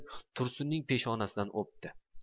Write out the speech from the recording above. tursunning peshonasidan o'pdi